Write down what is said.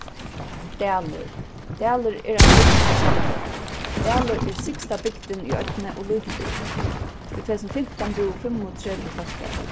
dalur dalur er ein bygd í sandoy dalur er syðsta bygdin í oynni og lítil bygd í tvey túsund og fimtan búðu fimmogtretivu fólk har